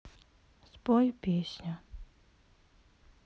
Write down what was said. спой песню